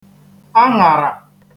aṅàrà